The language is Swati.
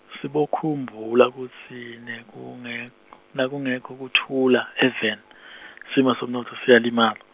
Sibokhumbula kutsi, nekunge-, nakungekho kutfula, eveni, simo semnontfo siyalimala.